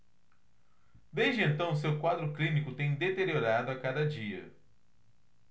desde então seu quadro clínico tem deteriorado a cada dia